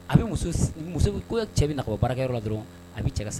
A be muso s muso b koo cɛ bena ka bɔ baarakɛyɔrɔ la dɔrɔɔn a be cɛ ka sac